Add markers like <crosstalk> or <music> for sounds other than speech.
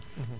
<hesitation> <hesitation>